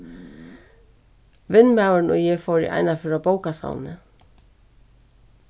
vinmaðurin og eg fóru einaferð á bókasavnið